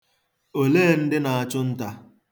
Olee ndị na-achụ nta?